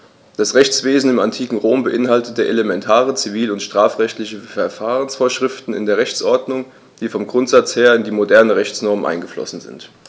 Das Rechtswesen im antiken Rom beinhaltete elementare zivil- und strafrechtliche Verfahrensvorschriften in der Rechtsordnung, die vom Grundsatz her in die modernen Rechtsnormen eingeflossen sind.